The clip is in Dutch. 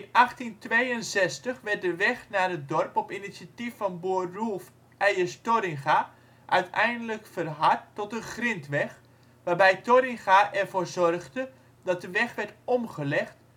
1862 werd de weg door het dorp op initiatief van boer Roelf Eijes Torringa uiteindelijk verhard tot een grindweg, waarbij Torringa ervoor zorgde dat de weg werd omgelegd